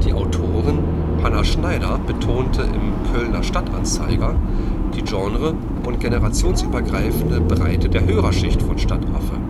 Autorin Hannah Schneider betonte im Kölner Stadt-Anzeiger die Genre - und generationsübergreifende Breite der Hörerschicht von Stadtaffe